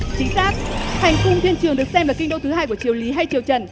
chính xác hành cung thiên trường được xem là kinh đô thứ hai của triều lý hay triều trần